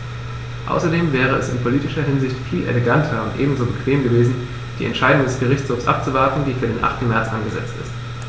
Außerdem wäre es in politischer Hinsicht viel eleganter und ebenso bequem gewesen, die Entscheidung des Gerichtshofs abzuwarten, die für den 8. März angesetzt ist.